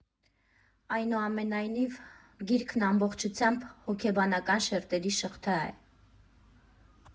Այնուամենայնիվ, գիրքն ամբողջությամբ հոգեբանական շերտերի շղթա է։